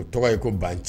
O tɔgɔ ye ko ban ci